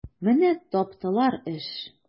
Менә таптылар эш!